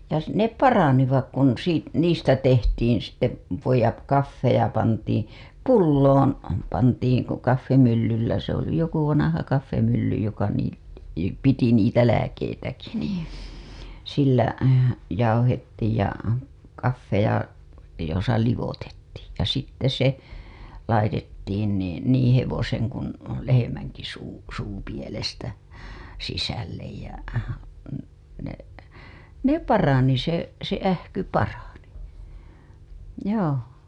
ja ne paranivat kun - niistä tehtiin sitten tippoja kahveja pantiin pulloon pantiin kun kahvimyllyllä se oli joku vanha kahvimylly joku niin piti niitä lääkkeitäkin niin sillä jauhettiin ja kahveja jossa liotettiin ja sitten se laitettiin niin niin hevosen kuin lehmänkin - suupielestä sisälle ja ne ne parani se se ähky parani joo